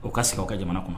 O ka segin ka jamana kuma